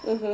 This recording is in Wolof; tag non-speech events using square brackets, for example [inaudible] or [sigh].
[hesitation] [hesitation]